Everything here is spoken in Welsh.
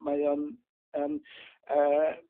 mae o'n yym yy